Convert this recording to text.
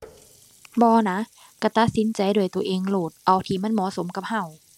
บ่นะ ก็ตัดสินใจด้วยตัวเองโลด เอาที่มันเหมาะสมกับก็